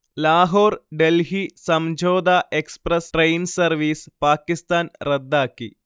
Lahore-Delhi Samjhauta express train service Pakistan റദ്ദാക്കി